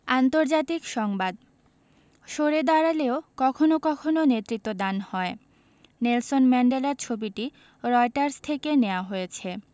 আন্তর্জাতিক সংবাদ সরে দাঁড়ালেও কখনো কখনো নেতৃত্বদান হয় নেলসন ম্যান্ডেলার ছবিটি রয়টার্স থেকে নেয়া হয়েছে